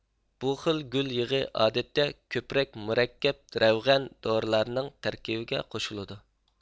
بۇ خىل گۈل يېغى ئادەتتە كۆپرەك مۇرەككەپ رەۋغەن دورىلارنىڭ تەركىبىگە قوشۇلىدۇ